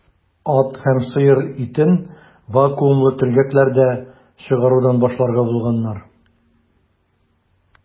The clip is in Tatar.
Ат һәм сыер итен вакуумлы төргәкләрдә чыгарудан башларга булганнар.